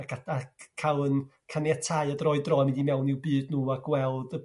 Ac ac a- c- ca'l 'yn caniatáu o dro i dro i mynd i mewn i'w byd nhw a gweld y